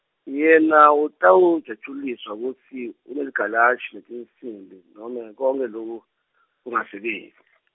yena utawujatjuliswa kutsi uneligalaji, netinsimbi, nome konkhe loku, kungaseben- .